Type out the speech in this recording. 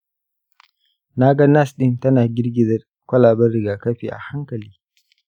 na ga nas ɗin tana girgiza kwalaben rigakafi a hankali.